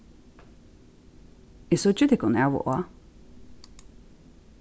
eg síggi tykkum av og á